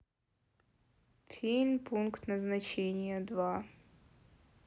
фильм пункт назначения два